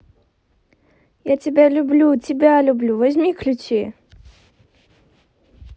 я тебя люблю тебя люблю возьми ключи